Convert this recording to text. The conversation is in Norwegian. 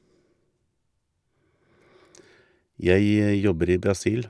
Jeg jobber i Brasil.